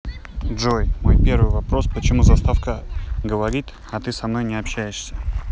джой мой первый вопрос почему заставка говорит а ты со мной не общаешься